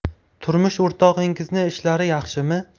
turmush o'rtog'ingizning ishlari yaxshimi